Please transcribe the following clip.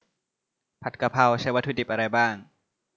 ผัดกะเพราใช้วัตถุดิบอะไรบ้าง